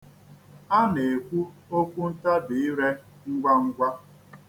A na-ekwu okwuntabire ngwa ngwa.